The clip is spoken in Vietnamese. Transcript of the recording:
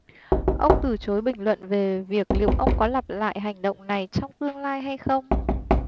ông từ chối bình luận về việc liệu ông có lặp lại hành động này trong tương lai hay không